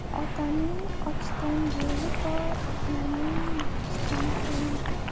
otaning ochgan yo'li bor onaning bichgan to'ni bor